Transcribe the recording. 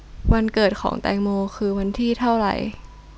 วันเกิดของแตงโมคือวันที่เท่าไร